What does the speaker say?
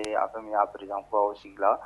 Ee a bɛ min aerekaw sigi la